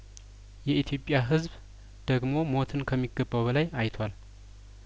የኢትዮጵያ ህዝብ ደግሞ ሞትን ከሚገባው በላይ አይቷል